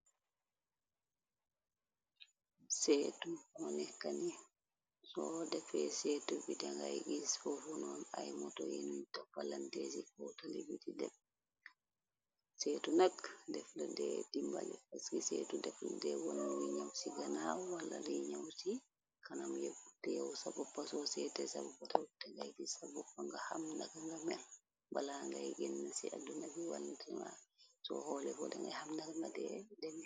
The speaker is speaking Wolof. Seetu ngo nekani soo defee seetu bi dangay is foxunoon ay motoinuy toppa lanteesi ko telebiti dek seetu nakk def la dee di mbale ës ki seetu defla de wono yi ñaw ci ganaaw wala li ñaw ci kanam yepp teew sa boppa soo seete sa boppatatengay bi sa boppa nga xam nak nga mel bala ngay genn ci àdduna bi waltie soo xoole bo dangay xam nak nga dee de.